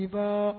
Nbaba